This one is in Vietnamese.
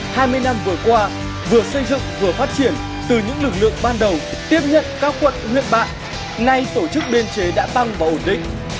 hai mươi năm vừa qua vừa xây dựng vừa phát triển từ những lực lượng ban đầu tiếp nhận các quận huyện bạn nay tổ chức biên chế đã tăng và ổn định